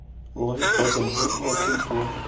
loy qozonga oltin tuvoq